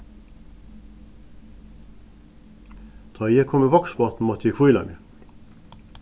tá ið eg kom í vágsbotn mátti eg hvíla meg